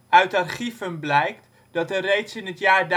Uit archieven blijkt dat er reeds in het jaar